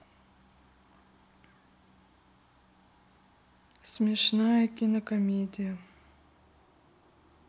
смешная кинокомедия